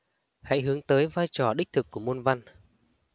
hãy hướng tới vai trò đích thực của môn văn